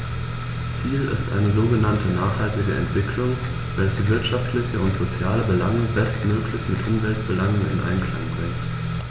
Ziel ist eine sogenannte nachhaltige Entwicklung, welche wirtschaftliche und soziale Belange bestmöglich mit Umweltbelangen in Einklang bringt.